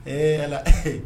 Ee yala ee